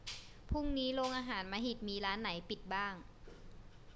พรุ่งนี้โรงอาหารมหิตมีร้านไหนปิดบ้าง